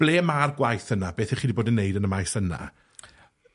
Ble ma'r gwaith yna, beth 'ych chi 'di bod yn neud yn y maes yna?